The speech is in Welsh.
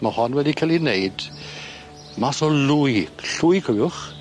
Ma' hon wedi ca'l 'i wneud mas o lwy, llwy cofiwch.